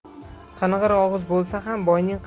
qing'ir og'iz bo'lsa ham